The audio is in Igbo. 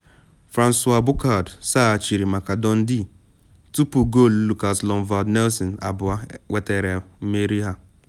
Francois Bouchard saghachiri maka Dundee tupu goolu Lukas Lundvald Nielsen abụọ nwetara mmeri ha.